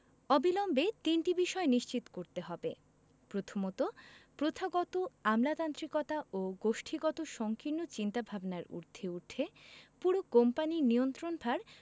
অবিলম্বে তিনটি বিষয় নিশ্চিত করতে হবে প্রথমত প্রথাগত আমলাতান্ত্রিকতা ও গোষ্ঠীগত সংকীর্ণ চিন্তাভাবনার ঊর্ধ্বে উঠে পুরো কোম্পানির নিয়ন্ত্রণভার